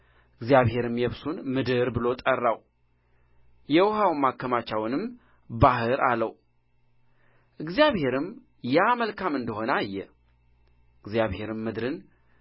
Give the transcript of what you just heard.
እግዚአብሔርም የብሱን ምድር ብሎ ጠራው የውኃ መከማቻውንም ባሕር አለው እግዚእብሔርም ያ መልካም እንደ ሆነ አየ እግዚአብሔርም ምድር